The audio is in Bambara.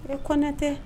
I kɔnɛ tɛ